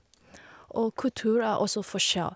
Og kultur er også forskjell.